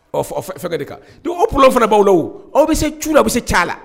Ɔ fɛn de kan don o bulon fana b'aw la aw bɛ se ci la aw bɛ se ci la